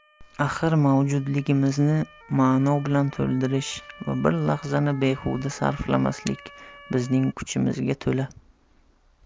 axir mavjudligimizni ma'no bilan to'ldirish va bir lahzani behuda sarflamaslik bizning kuchimizga to'la